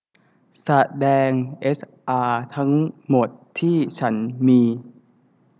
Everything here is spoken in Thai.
แสดงเอสอาทั้งหมดที่ฉันมี